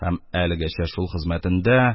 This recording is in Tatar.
Һәм әлегәчә шул хезмәтендә,